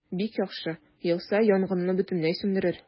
Бик яхшы, яуса, янгынны бөтенләй сүндерер.